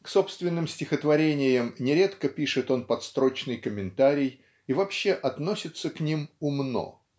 К собственным стихотворениям нередко пишет он подстрочный комментарий и вообще относится к ним умно.